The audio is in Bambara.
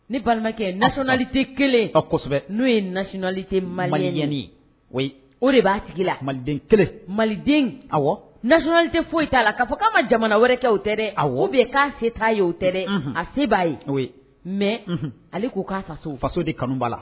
Ni balimakɛ nasonali tɛ kelen o kosɛbɛ n'o ye nasinali tɛ mali mali ɲ ye o de b'a tigi la maliden kelen maliden nasyali tɛ foyi t'a la k'a fɔ ko a ma jamana wɛrɛkɛ o tɛ a wo bɛɛ k'a se t'a ye' o tɛ a se b'a ye o mɛ ale k'u k'a faso faso de kanuba la